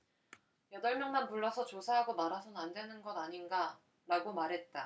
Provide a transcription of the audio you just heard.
여덟 명만 불러서 조사하고 말아서는 안되는 것 아닌가라고 말했다